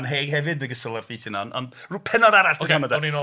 Anheg hefyd yn ogystal a'r ffeithiau yna... .